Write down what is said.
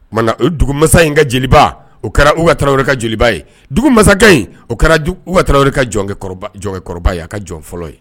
O tuma na, o dugu mansa in ka jeliba o kɛra Umaru Tarawele ka jeliba ye. dugu mansa kɛ in o kɛra Umaru Tarawele ka jɔnkɛ jɔnkɛ kɔrɔba ye, a ka jɔn fɔlɔ ye